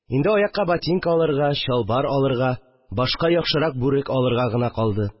Инде аякка ботинка алырга, чалбар алырга, башка яхшырак бүрек алырга гына калды